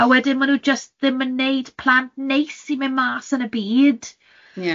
A wedyn maen nhw jyst ddim yn wneud plant neis i mynd ma's yn y byd.